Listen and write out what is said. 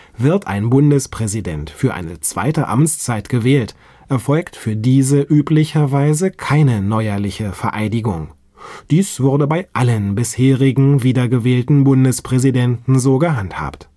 Wird ein Bundespräsident für eine zweite Amtszeit gewählt, erfolgt für diese üblicherweise keine neuerliche Vereidigung. Dies wurde bei allen bisherigen wiedergewählten Bundespräsidenten so gehandhabt